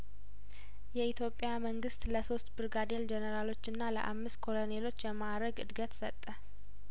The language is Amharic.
የኢትዮጵያ መንግስት ለሶስት ብርጋዴር ጄኔራሎችና ለአምስት ኮሎኔሎች የማእረግ እድገት ሰጠ